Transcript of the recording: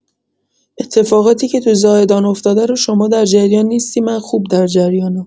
اتفاقایی که تو زاهدان افتاده رو شما در جریان نیستی من خوب در جریانم.